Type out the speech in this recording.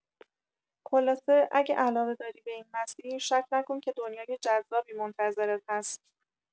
خلاصه، اگه علاقه داری به این مسیر، شک نکن که دنیای جذابی منتظرت هست.